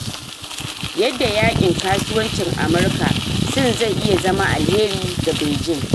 Yadda yakin kasuwancin Amurka-Sin zai iya zama alheri ga Beijing